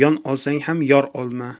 yon olsang ham yor olma